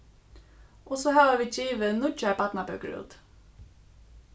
og so hava vit givið nýggjar barnabøkur út